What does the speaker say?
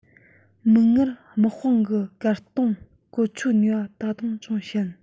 མིག སྔར དམག དཔུང གི གར བཏང གོ ཆོད ནུས པ ད དུང ཅུང ཞན